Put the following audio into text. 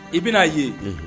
I bɛ n'a ye, unhun